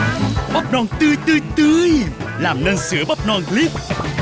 bắp non tươi tươi tươi làm nên sữa bắp non líp